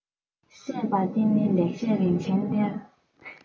བཤད པ འདི ནི ལེགས བཤད རིན ཆེན གཏེར